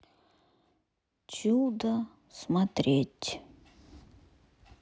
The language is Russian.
чудо смотреть